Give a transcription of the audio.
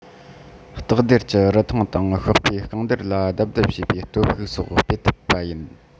ལྟག སྡེར གྱི རིང ཐུང དང གཤོག པས རྐང སྡེར ལ རྡབ རྡབ བྱེད པའི སྟོབས ཤུགས སོགས སྤེལ ཐུབ པ ཡིན